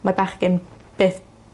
mae bechgyn beth